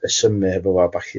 ...rhesymu efo fo a ballu.